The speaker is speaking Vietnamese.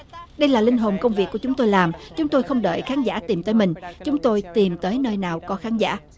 đây là linh hồn công việc của chúng tôi làm chúng tôi không đợi khán giả tìm tới mình chúng tôi tìm tới nơi nào có khán giả